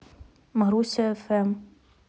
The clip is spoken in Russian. маруся фм